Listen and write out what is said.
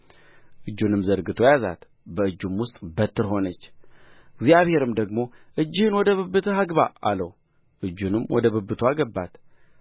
እጁንም ዘርግቶ ያዛት በእጁም ውስጥ በትር ሆነች እግዚአብሔርም ደግሞ እጅህን ወደ ብብትህ አግባ አለው እጁንም ወደ ብብቱ አገባት